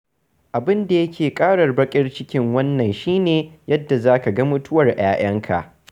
Abin da yake ƙara baƙin cikin wannan shi ne, yadda za ka ga mutuwar yayanka.